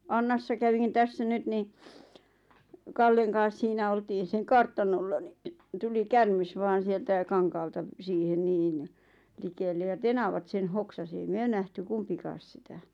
Annassa kävin tässä nyt niin Kallen kanssa siinä oltiin sen kartanolla niin tuli käärme vain sieltä kankaalta siihen niin likelle ja tenavat sen hoksasi ei me nähty kumpikaan sitä